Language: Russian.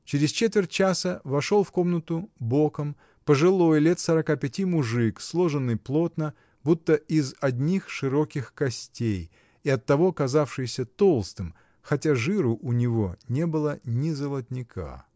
Через четверть часа вошел в комнату, боком, пожилой, лет сорока пяти мужик, сложенный плотно, будто из одних широких костей, и оттого казавшийся толстым, хотя жиру у него не было ни золотника.